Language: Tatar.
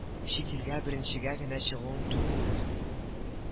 Чит илгә беренчегә генә чыгуың түгелдер